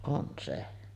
on se